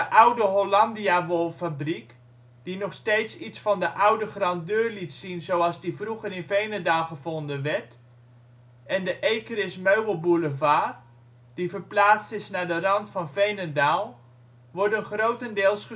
oude Hollandia-wolfabriek, die nog steeds iets van de oude grandeur liet zien zoals die vroeger in Veenendaal gevonden werd, en de Ekeris Meubelboulevard, die verplaatst is naar de rand van Veenendaal, worden grotendeels